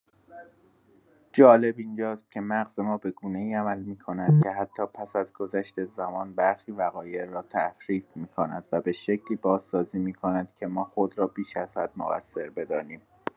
جالب اینجاست که مغز ما به‌گونه‌ای عمل می‌کند که حتی پس از گذشت زمان، برخی وقایع را تحریف می‌کند و به‌شکلی بازسازی می‌کند که ما خود را بیش از حد مقصر بدانیم.